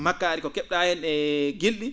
makkaari ko ke??a heen e gil?i